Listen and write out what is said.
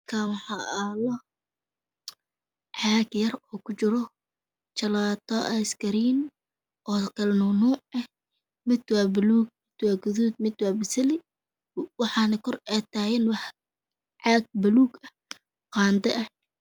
Mashan wax yalo cag oo jalato eey kujiro kalar kedo waa baluug iyo baseli iyo gadud